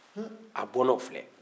a bɔnaw filɛ